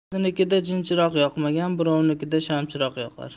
o'zinikida jinchiroq yoqmagan birovnikida shamchiroq yoqar